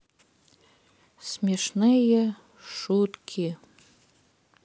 смешные шутки